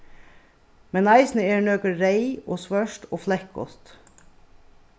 men eisini eru nøkur reyð og svørt og flekkut